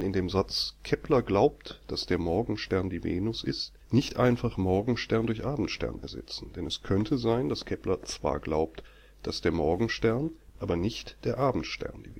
dem Satz „ Kepler glaubt, dass der Morgenstern die Venus ist “nicht einfach „ Morgenstern “durch „ Abendstern “ersetzen, denn es könnte sein, dass Kepler zwar glaubt, dass der Morgenstern, aber nicht der Abendstern